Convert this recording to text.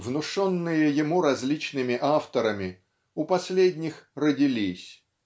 внушенные ему различными авторами у последних родились